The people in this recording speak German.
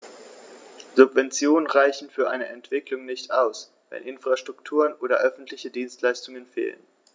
Subventionen reichen für eine Entwicklung nicht aus, wenn Infrastrukturen oder öffentliche Dienstleistungen fehlen.